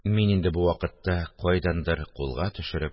Мин инде бу вакытта кайдандыр кулга төшереп